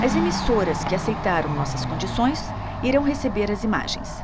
as emissoras que aceitaram nossas condições irão receber as imagens